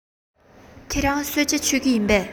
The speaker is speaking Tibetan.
ཁྱོད རང གསོལ ཇ མཆོད ཀས ཡིན པས